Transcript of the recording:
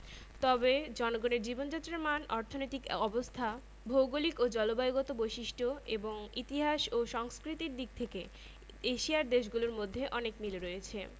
পৃথিবী অন্যান্য গ্রহ উপগ্রহের তাপ ও আলোর মূল উৎস সূর্য সূর্যের আলো ছাড়া পৃথিবী চির অন্ধকার থাকত এবং পৃথিবীতে জীবজগত ও উদ্ভিদজগৎ কিছুই বাঁচত না সূর্যকে কেন্দ্র করে ঘুরছে আটটি গ্রহ